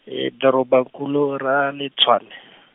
e dorobankulu ra le Tshwane.